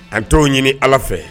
An to ɲini ala fɛ